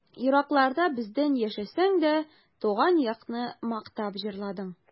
Еракларда бездән яшәсәң дә, Туган якны мактап җырладың.